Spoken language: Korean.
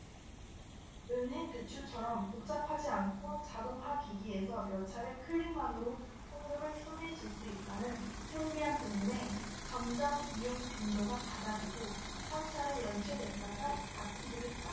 은행 대출처럼 복잡하지 않고 자동화기기에서 몇 차례 클릭만으로 현금을 손에 쥘 수 있다는 편리함 때문에 점점 이용 빈도가 잦아지고 한 차례 연체했다가 갚기도 했다